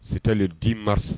Situlen di mari